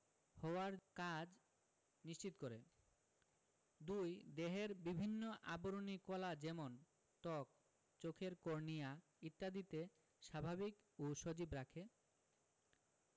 হওয়ার কাজ নিশ্চিত করে ২. দেহের বিভিন্ন আবরণী কলা যেমন ত্বক চোখের কর্নিয়া ইত্যাদিতে স্বাভাবিক ও সজীব রাখে